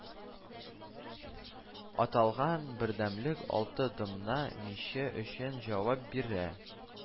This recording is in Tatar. Аталган бердәмлек алты домна миче өчен җавап бирә